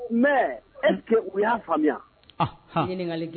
Mɛ u y'a faamuya ɲininkaka